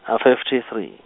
a fifty three.